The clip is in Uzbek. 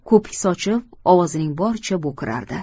ko'pik sochib ovozining boricha bo'kirardi